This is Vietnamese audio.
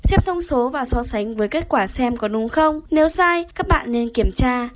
xem thông số và so sánh với kết quả xem có đúng không nếu sai các bạn nên kiểm tra